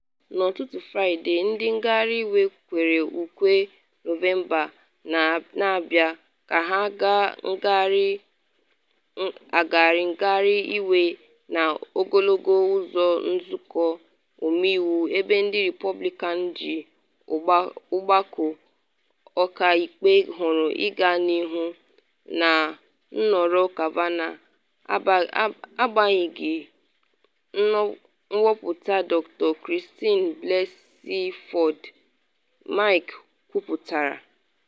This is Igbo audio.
N’ụtụtụ Fraịde, ndị ngagharị iwe kwere ukwe “Nọvemba na-abịa!” ka ha na-agagharị ngagharị iwe n’ogologo ụzọ Nzụkọ Ọmeiwu ebe ndị Repọblikan ji Ọgbakọ Ọka Ikpe họrọ ịga n’ihu na nhọrọ Kavanaugh agbanyeghị nkwuputa Dr. Christine Blasey Ford, Mic kwuputara.